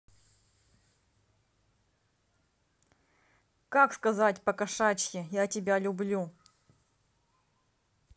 как сказать покошачьи я тебя люблю